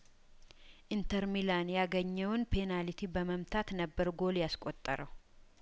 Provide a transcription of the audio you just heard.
ኢንተር ሚላን ያገኘውን ፔናልቲ በመምታት ነበር ጐል ያስቆጠረው